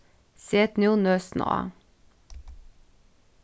set nú nøsina á